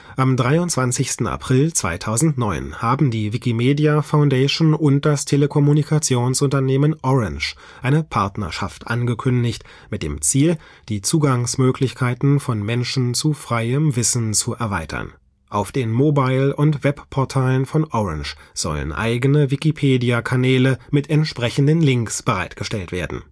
Am 23. April 2009 haben die Wikimedia Foundation und das Telekommunikationsunternehmen Orange eine Partnerschaft angekündigt, mit dem Ziel, die „ Zugangsmöglichkeiten von Menschen zu freiem Wissen zu erweitern “. Auf den Mobile - und Webportalen von Orange sollen eigene Wikipedia-Kanäle mit entsprechenden Links bereitgestellt werden